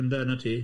Ynden, 'na ti.